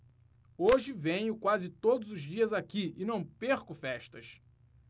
hoje venho quase todos os dias aqui e não perco festas